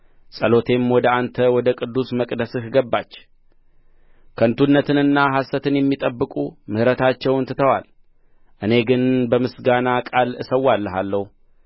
ጸሎቴም ወደ አንተ ወደ ቅዱስ መቅደስህ ገባች ከንቱነትንና ሐሰትን የሚጠብቁ ምሕረታቸውን ትተዋል እኔ ግን በምስጋና ቃል እሠዋልሃለሁ